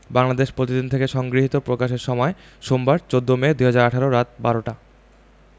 বাংলাদেশ প্রতিদিন থেলে সংগৃহীত প্রকাশের সময় সোমবার ১৪ মে ২০১৮ রাত ১২টা